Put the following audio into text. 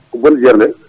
ko bonni jeere nde